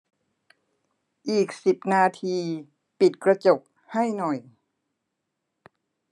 อีกสิบนาทีปิดกระจกให้หน่อย